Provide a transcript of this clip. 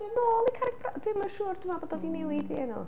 Dio'n ôl i Carreg Môn? Dwi'n yn siŵr dwi'n meddwl bod o 'di newid ei enw.